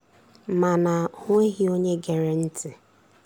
Mana o nweghị onye gere ntị.